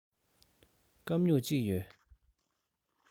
སྐམ སྨྱུག གཅིག ཡོད